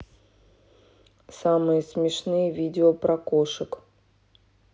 самые смешные видео про кошек